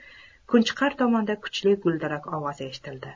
kunchiqar tomonda kuchli guldirak tovushi eshitildi